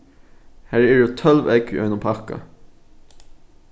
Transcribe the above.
har eru tólv egg í einum pakka